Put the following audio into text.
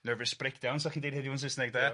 nervous breakdowns 'dach chi'n deud heddiw yn Saesneg de